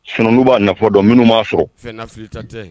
Sinanw b'afɔ dɔn minnu b'a sɔrɔ